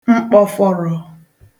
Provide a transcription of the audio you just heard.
m̀kpọ̀fọ̀rọ̀